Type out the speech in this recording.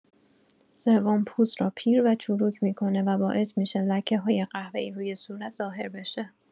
سوم، پوست رو پیر و چروک می‌کنه و باعث می‌شه لکه‌های قهوه‌ای روی صورت ظاهر بشه.